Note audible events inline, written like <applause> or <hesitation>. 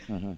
<hesitation> <hesitation>